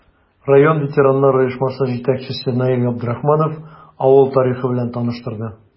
Район ветераннар оешмасы җитәкчесе Наил Габдрахманов авыл тарихы белән таныштырды.